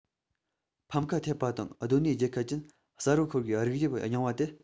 ཕམ ཁ ཐེབས པ དང སྡོད གནས རྒྱལ ཁ ཅན གསར པར ཤོར བའི རིགས དབྱིབས རྙིང བ དེ